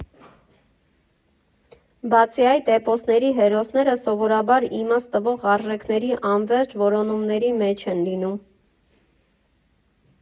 Բացի այդ, էպոսների հերոսները սովորաբար իմաստ տվող արժեքների անվերջ որոնումների մեջ են լինում։